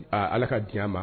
Aa Ala ka diɲɛ ma